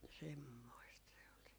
semmoista se oli se